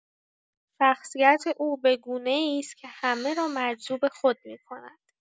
شخصیت او به گونه‌ای است که همه را مجذوب خود می‌کند.